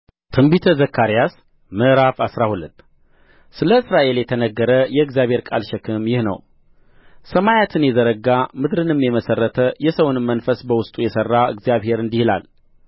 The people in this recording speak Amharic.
ትንቢተ ዘካርያስ ምዕራፍ አስራ ሁለት ስለ እስራኤል የተነገረ የእግዚአብሔር ቃል ሸክም ይህ ነው ሰማያትን የዘረጋ ምድርንም የመሠረተ የሰውንም መንፈስ በውስጡ የሠራ እግዚአብሔር እንዲህ ይላል